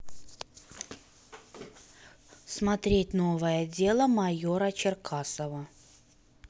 смотреть новое дело майора черкасова